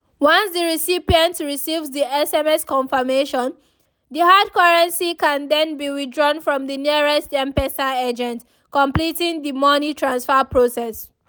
Once the recipient receives the SMS confirmation, the hard currency can then be withdrawn from the nearest M-PESA agent, completing the money transfer process.